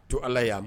To ala yan